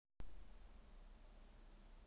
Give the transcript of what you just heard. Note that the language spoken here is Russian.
песня morgenshtern весь день пробыл на live